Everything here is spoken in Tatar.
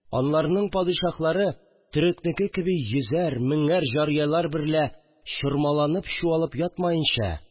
Анларның шаһлары, төрекнеке кеби, йөзәр, меңәр җарияләр берлә чормалып-чуалып ятмаенча